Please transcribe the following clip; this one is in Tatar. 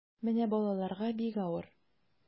Менә балаларга бик авыр.